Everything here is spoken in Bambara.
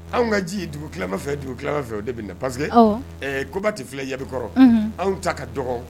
Anw ka ji dugu tilama fɛ duguma fɛ o de bɛ na pase koba tɛ filɛ yakɔrɔ anw ta ka dɔgɔn